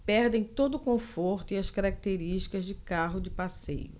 perdem todo o conforto e as características de carro de passeio